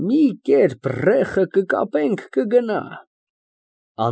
Մի կերպ ռեխը կկապենք, կգնա։